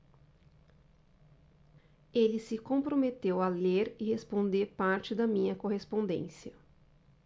ele se comprometeu a ler e responder parte da minha correspondência